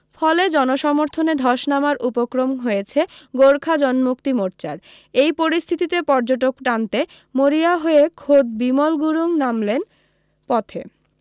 ফলে জনসমর্থনে ধস নামার উপক্রম হয়েছে গোর্খা জন্মুক্তি মোর্চার এই পরিস্থিতিতে পর্যটক টানতে মরিয়া হয়ে খোদ বিমল গুরুং নামলেন পথে